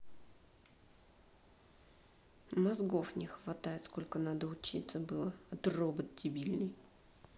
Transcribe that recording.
мозгов не хватает сколько надо учиться было а ты робот дебильный